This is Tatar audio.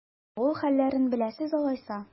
Авыл хәлләрен беләсез алайса?